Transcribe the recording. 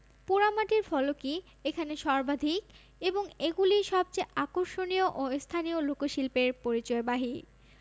পোড়ামাটির ফলকই এখানে সর্বাধিক এবং এগুলিই সবচেয়ে আকর্ষণীয় ও স্থানীয় লোকশিল্পের পরিচয়বাহী